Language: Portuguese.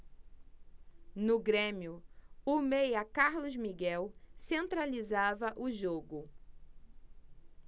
no grêmio o meia carlos miguel centralizava o jogo